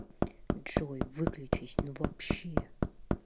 джой выключись ну вообще